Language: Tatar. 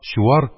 Чуар